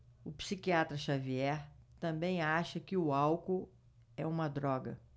o psiquiatra dartiu xavier também acha que o álcool é uma droga